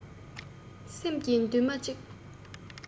སེམས ཀྱི མདུན མ གཅིག